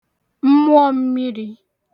mmụọmmiri